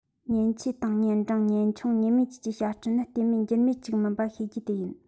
ཉེན ཆེ དང ཉེན འབྲིང ཉེན ཆུང ཉེན མེད བཅས ཀྱི བྱ སྤྱོད ནི ལྟོས མེད འགྱུར མེད ཅིག མིན པ ཤེས རྒྱུ དེ ཡིན